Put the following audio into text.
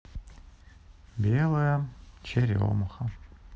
белая черемуха